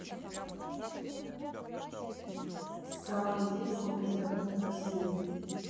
самый известный пиздабол в россии